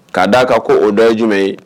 K'a d'a ka ko o dɔ ye jumɛn ye